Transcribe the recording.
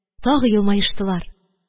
Тагы елмаештылар